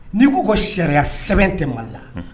N'i ko ko sariya sɛbɛn tɛ mali la